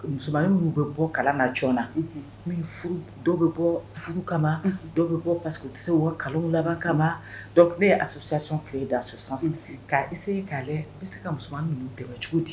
Musomani minnu bɛ bɔ kalan ma joona n b'i furu dɔw bɛ bɔɔ furu kama unhun dɔw bɛ bɔɔ parce que u tɛ se u ka kalonw laban kama a donc ne ye association créer dans ce sens unhun ka essayer k'a layɛ n bɛ se ka musomanin ninnu dɛmɛ cogodi.